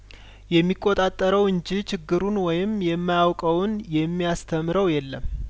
የሚቆጣጠረው እንጂ ችግሩን ወይም የማያውቀውን የሚያስተምረው የለም